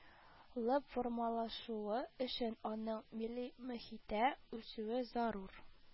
Лып формалашуы өчен аның милли мохиттә үсүе зарур